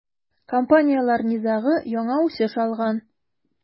Компанияләр низагы яңа үсеш алган.